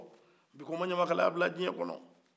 biko maɲamakalaya bila duniɲɛkɔnɔ